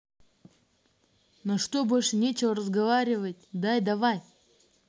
на что больше нечего разговаривать дай давай